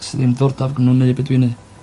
sy ddim ddiordab me' n'w neu' be' dwi'n neu'.